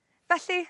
felly